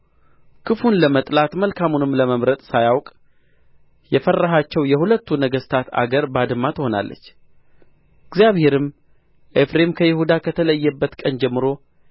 ክፉን ለመጥላት መልካሙን ለመምረጥ ሳያውቅ የፈራሃቸው የሁለቱ ነገሥታት አገር ባድማ ትሆናለች እግዚአብሔርም ኤፍሬም ከይሁዳ ከተለየበት ቀን ጀምሮ